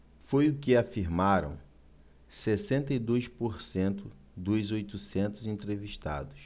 foi o que afirmaram sessenta e dois por cento dos oitocentos entrevistados